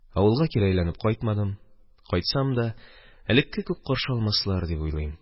Авылга кире әйләнеп кайтмадым, кайтсам да элекке күк каршы алмаслар дип уйлыйм